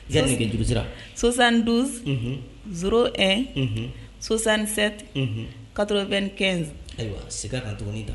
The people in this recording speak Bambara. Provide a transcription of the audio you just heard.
I ka nɛgɛjurusira, 72 unhun 01 unhun 67 unhun 95 ayiwa sig'a kan tuguni tan